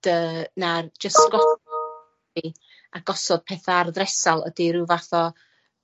yy na' jyst a gosod petha ar y ddresal ydi ryw fath o